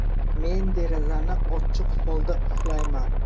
men derazani ochiq holda uxlayman